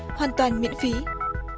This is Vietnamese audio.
hoàn toàn miễn phí